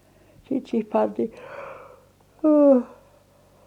siitä siihen pantiin